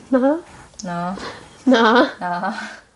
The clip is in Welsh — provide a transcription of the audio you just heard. Meddwl? Na. Na. Na.